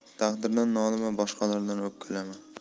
taqdirdan nolima boshqalardan o'pkalama